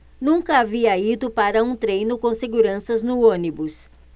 nunca havia ido para um treino com seguranças no ônibus